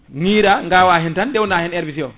miira gawa hen tan dewna hen herbicie o